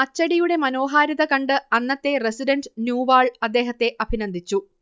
അച്ചടിയുടെ മനോഹാരിത കണ്ട് അന്നത്തെ റസിഡന്റ് നൂവാൾ അദ്ദേഹത്തെ അഭിനന്ദിച്ചു